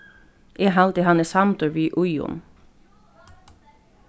eg haldi hann er samdur við íðunn